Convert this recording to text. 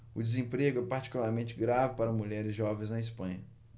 o desemprego é particularmente grave para mulheres jovens na espanha